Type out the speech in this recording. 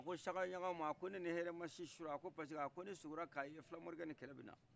a ko sagaɲagamu ne ni hɛrɛ ma si surɔ a ko parce que a ko sukola k'a ye filamorikɛ ni kɛlɛ bɛna